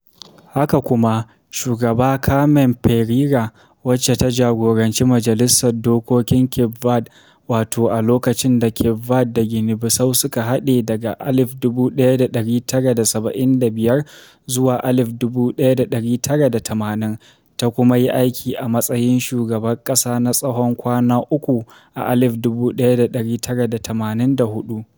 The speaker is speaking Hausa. Haka kuma, shugaba Carmen Pereira, wacce ta jagoranci majalisar dokokin Cape Verde (a lokacin da Cape Verde da Guinea-Bissau suka haɗe) daga 1975 zuwa 1980, ta kuma yi aiki a matsayin shugabar ƙasa na tsawon kwana uku a 1984.